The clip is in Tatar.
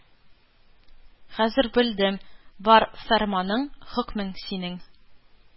Хәзер белдем, бар фәрманың, хөкмең синең